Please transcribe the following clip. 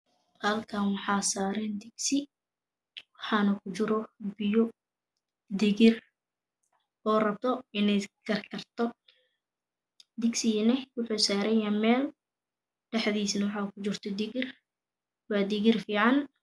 Halkan waxa saran digsi waxa kujiro digir biyo barandho inay karkarto digsiga wuxu saranyahay mel dhaxdisa waxa kujirto digir Wadigir fican